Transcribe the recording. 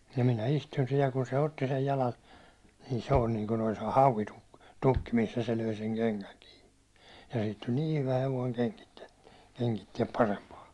ja minä istuin siihen ja kun se otti sen jalan niin se oli niin kuin olisi - havutukki missä se löi sen kengän kiinni ja siitä tuli niin hyvä hevonen kengittää kengitti parempaa